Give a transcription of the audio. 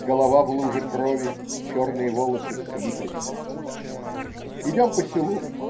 Голова в луже крови, черные волосы слиплись. Идем по селу.